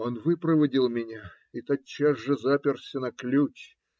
Он выпроводил меня и тотчас же заперся на ключ.